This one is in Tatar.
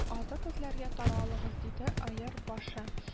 Азык эзләргә таралыгыз! — диде Өер башы